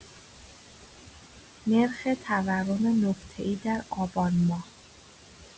نرخ تورم نقطه‌ای در آبان‌ماه